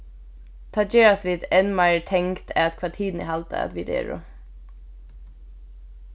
tá gerast vit enn meiri tengd at hvat hini halda at vit eru